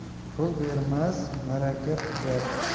pul bermas ma'raka buzar